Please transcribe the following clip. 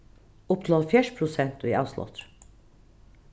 upp til hálvfjerðs prosent í avsláttri